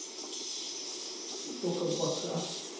тока бока